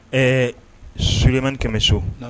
Ɛɛ, Suyemani Kɛmɛso,.Naamu.